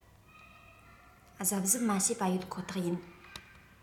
གཟབ གཟབ མ བྱས པ ཡོད ཁོ ཐག ཡིན